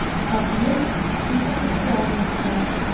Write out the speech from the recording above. Ратьен интерсексуал булып туган.